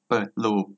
เปิดลูป